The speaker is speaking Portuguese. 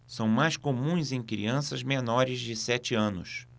são mais comuns em crianças menores de sete anos